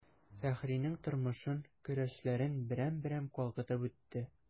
Фәхринең тормышын, көрәшләрен берәм-берәм калкытып үтте.